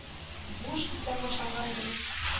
Бу эш күптән башланган идеме